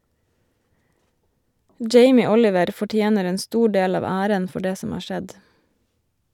Jamie Oliver fortjener en stor del av æren for det som har skjedd.